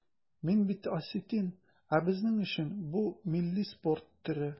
Мин бит осетин, ә безнең өчен бу милли спорт төре.